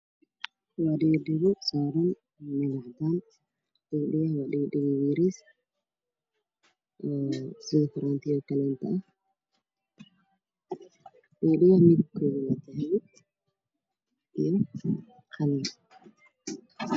Waa dhago saaran meel cadaan ah waana dhago yar oo faraanti oo kale ah, midabkoodu waa dahabi iyo qalin.